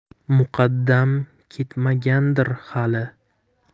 muqaddam ketmagandir hali